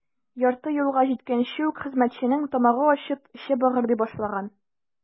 Ярты юлга җиткәнче үк хезмәтченең тамагы ачып, эче быгырдый башлаган.